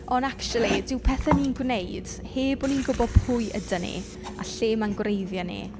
Ond acshyli dyw pethe ni'n gwneud heb bo' ni'n gwybod pwy ydyn ni a lle mae'n gwreiddiau ni.